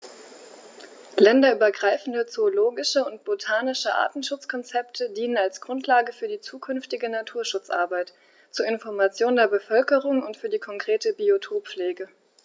Länderübergreifende zoologische und botanische Artenschutzkonzepte dienen als Grundlage für die zukünftige Naturschutzarbeit, zur Information der Bevölkerung und für die konkrete Biotoppflege.